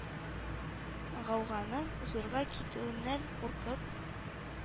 Гауганың зурга китүеннән куркып,